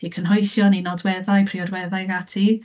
Neu cynhwysion neu nodweddau, priodweddau ac ati.